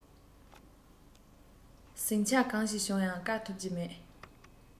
ཟིང ཆ གང ཞིག བྱུང ཡང བཀག ཐུབ ཀྱི མེད